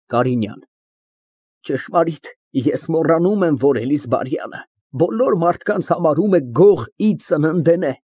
ԿԱՐԻՆՅԱՆ ֊ Ճշմարիտ, ես մոռացել եմ, որ Անդրեաս Էլիզբարյանը բոլոր մարդկանց համարում է գող ի ծննդենե։